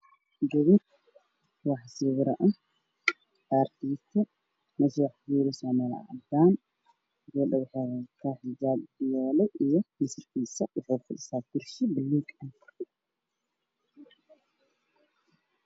Waxaa ii muuqda gabar midabkeedu yahaya haddaan waxay wadatay xijaabo wacay wax ku qoraysaa sabuuraad waxa ay wadataa oo wax ku qoraysaa qalin qori